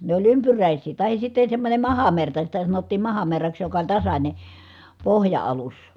ne oli ympyräisiä tai sitten semmoinen mahamerta sitä sanottiin mahamerraksi joka oli tasainen pohja-alus